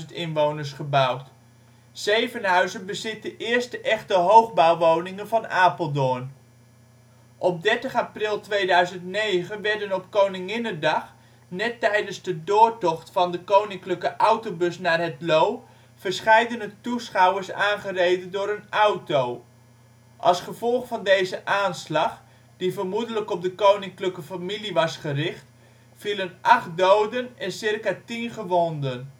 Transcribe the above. inwoners) gebouwd. Zevenhuizen bezit de eerste echte hoogbouwwoningen van Apeldoorn. Op 30 april 2009 werden op Koninginnedag, net tijdens de doortocht van de koninklijke autobus naar Het Loo, verscheidene toeschouwers aangereden door een auto. Als gevolg van deze aanslag, die vermoedelijk op de koninklijke familie was gericht, vielen acht doden en ca. tien gewonden